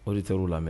Auditeur u lamɛ